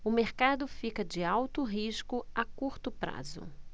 o mercado fica de alto risco a curto prazo